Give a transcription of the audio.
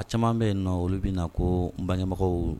A caman bɛ yen nɔn, olu bɛna ko n bangebagaw